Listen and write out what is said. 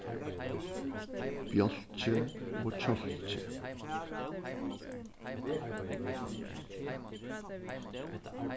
bjálki og kjálki